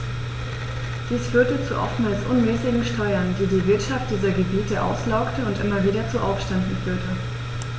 Dies führte zu oftmals unmäßigen Steuern, die die Wirtschaft dieser Gebiete auslaugte und immer wieder zu Aufständen führte.